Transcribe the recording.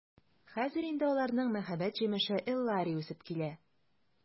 Хәзер инде аларның мәхәббәт җимеше Эллари үсеп килә.